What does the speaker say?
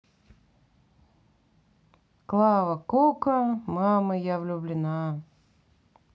клава кока мама я влюблена